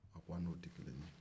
a n'o tɛ kelen ye